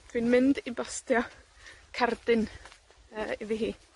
Dwi'n mynd i bostio, cerdyn yy, iddi hi.